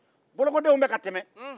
bolokodenw bɛka tɛmɛ